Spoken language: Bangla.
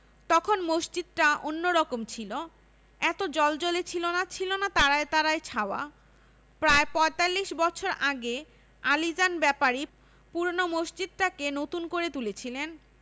তখন মসজিদটা অন্যরকম ছিল এত জ্বলজ্বলে ছিল না ছিলনা তারায় তারায় ছাওয়া প্রায় পঁয়তাল্লিশ বছর আগে আলীজান ব্যাপারী পূরোনো মসজিদটাকে নতুন করে তুলেছিলেন